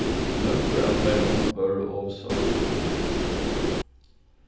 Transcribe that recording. nøkur av teimum vóru ov sein